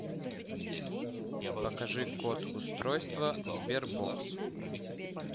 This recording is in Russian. покажи код устройства sberbox